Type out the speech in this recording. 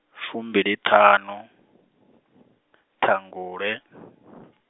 fumbili ṱhanu , ṱhangule .